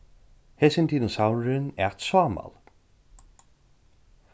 hesin dinosaurin æt sámal